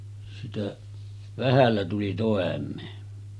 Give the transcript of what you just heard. sitä vähällä tuli toimeen